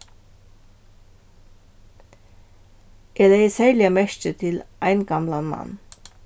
eg legði serliga merki til ein gamlan mann